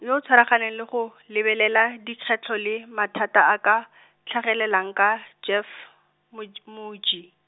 yo o tshwaraganeng le go, lebelela dikgwetlho le mathata a ka, tlhagelelang ka, Jeff Moj- Moji.